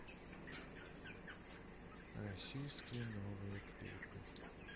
российские новые клипы